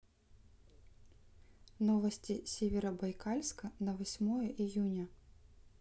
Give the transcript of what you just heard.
новости северобайкальска на восьмое июня